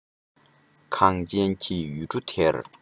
གངས ཅན གྱི ཡུལ གྲུ འདིར